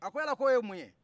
a ko yala k'o ye mun ye